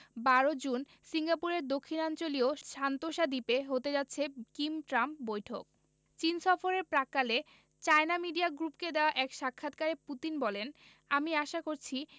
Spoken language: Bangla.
১২ জুন সিঙ্গাপুরের দক্ষিণাঞ্চলীয় সান্তোসা দ্বীপে হতে যাচ্ছে কিম ট্রাম্প বৈঠক চীন সফরের প্রাক্কালে চায়না মিডিয়া গ্রুপকে দেওয়া এক সাক্ষাৎকারে পুতিন বলেন আমি আশা করছি